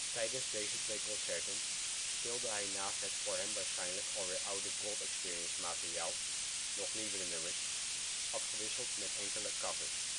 Tijdens deze twee concerten speelde hij naast het voor hem waarschijnlijk al weer oude Gold Experience-materiaal nog nieuwere nummers, afgewisseld met enkele covers